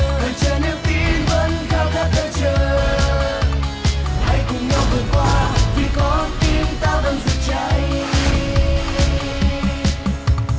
đợi chờ niềm tin vẫn khao khát đợi chờ hãy cùng nhau vượt qua vì con tim ta vẫn rực cháy ô